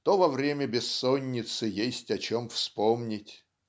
то во время бессонницы есть о чем вспомнить"